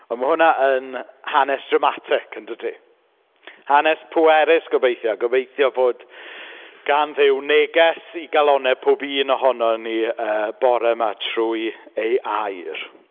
A ma' hwnna yn hanes dramatig, yn dydi? Hanes pwerus, gobeithio. Gobeithio, fod gan Dduw neges i galonnau pob un ohono ni yy bore yma trwy ei air.